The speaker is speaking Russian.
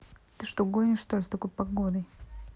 ты что гонишь что ли с такой погодой